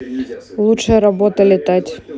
лучшая работа летать